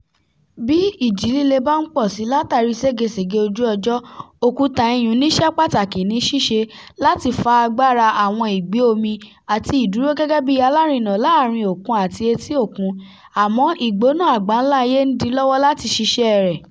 Bí ìjì líle bá ń pọ̀ sí i látàrí ségesège ojú-ọjọ́, òkúta iyùn-ún níṣẹ́ pàtàkì ní ṣíṣe láti fa agbára àwọn ìgbé omi àti ìdúró gẹ́gẹ́ bí alárinà láàárín òkun àti etí òkun — àmọ́ ìgbóná àgbáńlá ayé ń dí i lọ́wọ́ láti ṣiṣẹ́ẹ rẹ̀.